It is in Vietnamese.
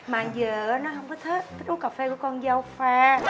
mà giờ á nó hông có thích thích uống cà phê con dâu pha